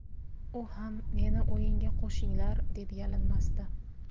u ham meni o'yinga qo'shinglar deb yalinmasdi